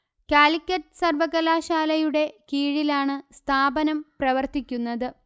കാലിക്കറ്റ് സർവ്വകലാശാലയുടെ കീഴിലാണ് സ്ഥാപനം പ്രവർത്തിക്കുന്നത്